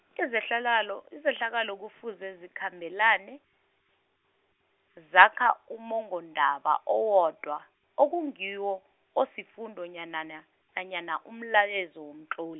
izehlakalo izehlakalo kufuzeke zikhambelane, zakha ummongo-ndaba owodwa okungiwo, osifundo nyanana- nanyana, umlayezo womtloli.